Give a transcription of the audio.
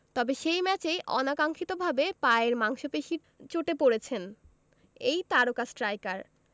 তবে সেই ম্যাচেই অনাকাঙ্ক্ষিতভাবে পায়ের মাংসপেশির চোটে পড়েছেন এই তারকা স্ট্রাইকার